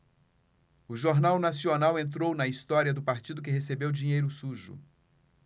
o jornal nacional entrou na história do partido que recebeu dinheiro sujo